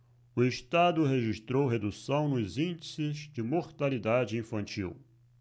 o estado registrou redução nos índices de mortalidade infantil